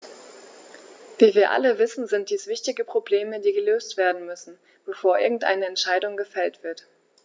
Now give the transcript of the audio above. Wie wir alle wissen, sind dies wichtige Probleme, die gelöst werden müssen, bevor irgendeine Entscheidung gefällt wird.